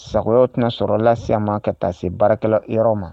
Sago tɛna sɔrɔ laseya ma ka taa se baarakɛlaw yɔrɔ ma